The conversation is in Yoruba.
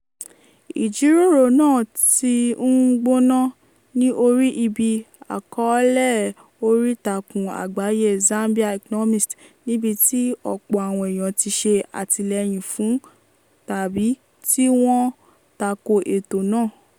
Ìjíròrò náà ti ń gbóná ní orí ibi àkọọ́lẹ̀ oríìtakùn àgbáyé Zambia Economist níbi tí ọ̀pọ̀ àwọn èèyàn ti ṣe àtìlẹ́yìn fún tàbí tí wọ́n tako ètò náà.